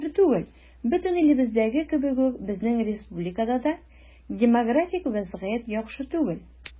Сер түгел, бөтен илебездәге кебек үк безнең республикада да демографик вазгыять яхшы түгел.